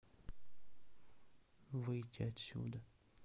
выйти отсюда